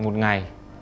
một ngày